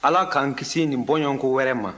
ala k'an kisi nin bɔɲɔgɔnko wɛrɛ ma